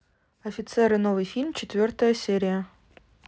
офицеры новый фильм четвертая серия